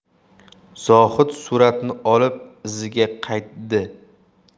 zohid suratni olib iziga qaytdi